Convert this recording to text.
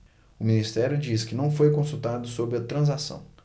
o ministério diz que não foi consultado sobre a transação